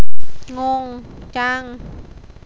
งงจัง